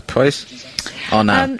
...oes? O na. Yym.